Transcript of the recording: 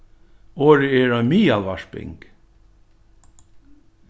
orðið er ein miðalvarping